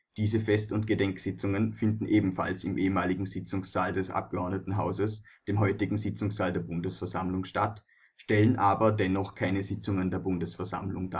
Diese Fest - und Gedenksitzungen finden ebenfalls im ehemaligen Sitzungssaal des Abgeordnetenhauses, dem heutigen Sitzungssaal der Bundesversammlung, statt, stellen aber dennoch keine Sitzungen der Bundesversammlung